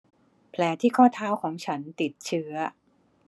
แผลที่ข้อเท้าของฉันติดเชื้อ